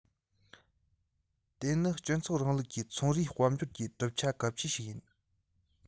དེ ནི སྤྱི ཚོགས རིང ལུགས ཀྱི ཚོང རའི དཔལ འབྱོར གྱི གྲུབ ཆ གལ ཆེན ཞིག ཡིན